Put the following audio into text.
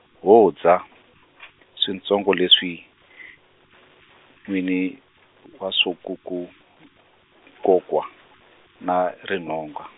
wo dya , switshongo leswi, yini wa swa ku ku, kokwa, na ri nhonga.